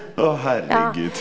å herregud.